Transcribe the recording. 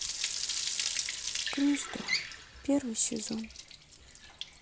гнездо первый сезон